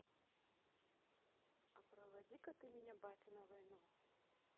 а проводи ка ты меня батя на войну